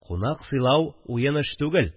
Кунак сыйлау уен эш түгел